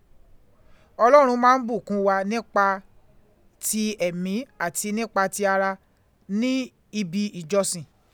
Ọlọ́run mà ń bùkún wa nípa ti ẹ̀mí àti nípa ti ara ní ibi ìjọsìn.